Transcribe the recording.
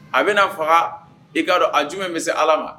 A bɛna faga i ka don a jum bɛ se ala ma